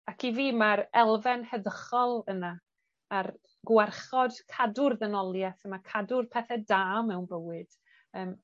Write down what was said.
Ac i fi ma'r elfen heddychol yna, a'r gwarchod, cadw'r ddynolieth yma cadw'r pethe da mewn bywyd yym